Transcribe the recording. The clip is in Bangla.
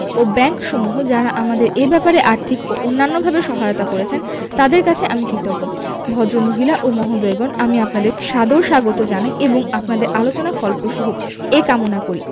ও ব্যাংকসমূহ যারা আমাদের এ ব্যাপারে আর্থিক এবং অন্যান্যভাবে সহায়তা করেছেন তাঁদের কাছে আমি কৃতজ্ঞ ভদ্রমহিলা ও মহোদয়গণ আমি আপনাদের সাদর স্বাগত জানাই এবং আপনাদের আলোচনা ফলপ্রসূ হোক এ কামনা করি